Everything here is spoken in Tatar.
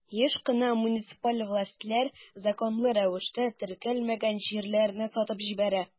Еш кына муниципаль властьлар законлы рәвештә теркәлмәгән җирләрне сатып җибәрә.